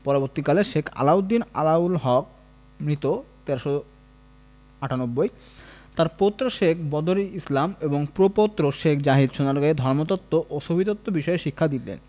পরবর্তীকালে শেখ আলাউদ্দিন আলাউল হক মৃত্যু ১৩৯৮ তাঁর পৌত্র শেখ বদর ই ইসলাম ও প্রপৌত্র শেখ জাহিদ সোনারগাঁয়ে ধর্মতত্ত্ব ও সুফিতত্ত্ব বিষয়ে শিক্ষা দিতেন